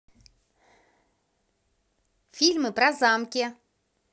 фильмы про замки